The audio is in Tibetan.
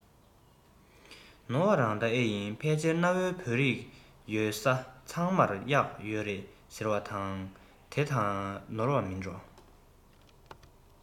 ནོར བ རང ད ཨེ ཡིན ཕལ ཆེར གནའ བོའི བོད རིགས ཡོད ས ཚང མར གཡག ཡོད རེད ཟེར བ དེ དང ནོར བ མིན འགྲོ